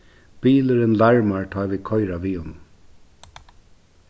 bilurin larmar tá vit koyra við honum